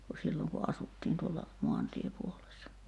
kun silloin kun asuttiin tuolla maantiepuolessa